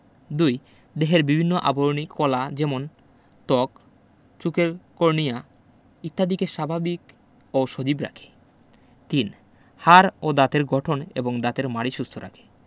২ দেহের বিভিন্ন আবরণী কলা যেমন ত্বক চোখের কর্নিয়া ইত্যাদিকে স্বাভাবিক ও সজীব রাখে ৩ হাড় ও দাঁতের গঠন এবং দাঁতের মাড়ি সুস্থ রাখে